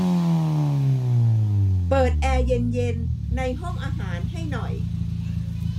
เปิดแอร์เย็นเย็นในห้องอาหารให้หน่อย